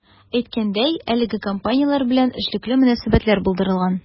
Әйткәндәй, әлеге компанияләр белән эшлекле мөнәсәбәтләр булдырылган.